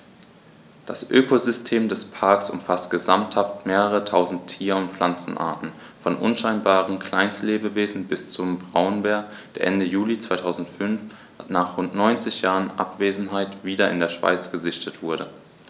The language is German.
Das Ökosystem des Parks umfasst gesamthaft mehrere tausend Tier- und Pflanzenarten, von unscheinbaren Kleinstlebewesen bis zum Braunbär, der Ende Juli 2005, nach rund 90 Jahren Abwesenheit, wieder in der Schweiz gesichtet wurde.